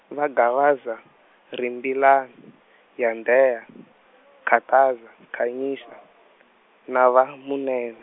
va Gavaza , Rimbilana, Yandheya , Khataza Khanyisa, na va Munene.